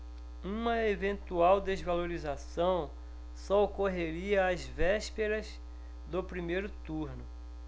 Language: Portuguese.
uma eventual desvalorização só ocorreria às vésperas do primeiro turno